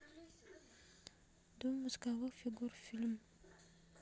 дом восковых фигур фильм